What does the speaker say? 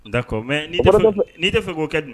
Da ko mɛ n' tɛ fɛ k'o kɛ di